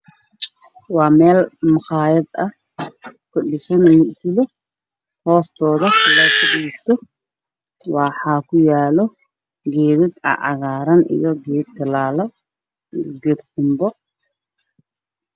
Meeshaan waa meel maqaayad ah